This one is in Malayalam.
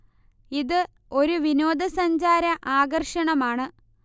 ഇത് ഒരു വിനോദ സഞ്ചാര ആകർഷണമാണ്